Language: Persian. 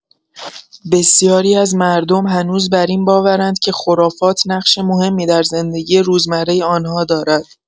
بسیاری از مردم هنوز بر این باورند که خرافات نقش مهمی در زندگی روزمره آنها دارد.